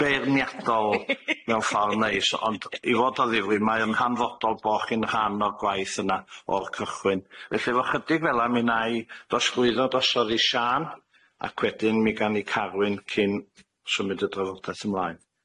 ...Beirniadol mewn ffordd neis ond i fod o ddifyr mae o'n hanfodol bo' chi'n rhan o'r gwaith yna o'r cychwyn felly efo chydig fel 'a, mi 'nai dosblwyddo drosodd i Siân ac wedyn mi gan 'i Carwyn cyn symud y drafodaeth ymlaen.